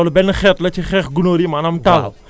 maanaam loolu benn xeet la ci xeex gunóor yi maanaam